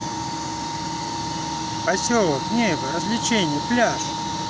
поселок небо развлечение пляж